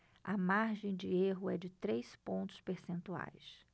a margem de erro é de três pontos percentuais